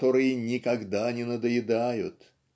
которые "никогда не надоедают"